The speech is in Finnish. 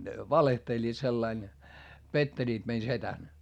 ne valehtelivat sillä lailla pettelivät meidän sedän